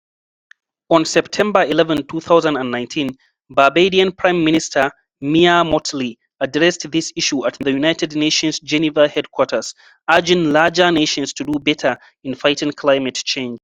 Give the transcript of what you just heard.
On September 11, 2019, Barbadian Prime Minister Mia Mottley addressed this issue at the United Nations’ Geneva headquarters, urging larger nations to do better in fighting climate change.